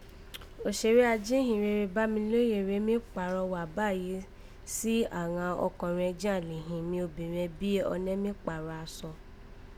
Òsèré ajihìnrere Bámilóyè rèé mí pàrọwà báyìí sí àghan ọkọ̀nrẹn jí an lè hìnmi obìnrẹn bí ọnẹ mi pààrọ̀ asọ